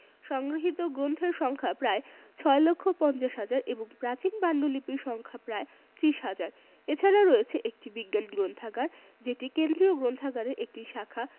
সংগৃহীত গ্রন্থের সংখ্যা প্রায় ৬ লক্ষ ৫০ হাজার এবং প্রাচীন পান্ডুলিপির সংখ্যা প্রায় ত্রিশ হাজার এছাড়া রয়েছে একটি বিজ্ঞান গ্রন্থাগার যেটি কেন্দ্রীয় গ্রন্থাগারের একটি শাখা